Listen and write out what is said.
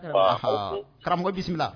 Pa karamɔgɔ bisimila